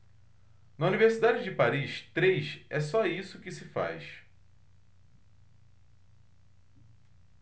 na universidade de paris três é só isso que se faz